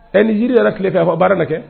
Ɛ ni jiri yɛrɛ tile kɛ a fɔ baara kɛ